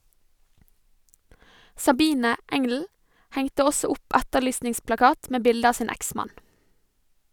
Sabine Engl hengte også opp etterlysningsplakat med bilde av sin eksmann.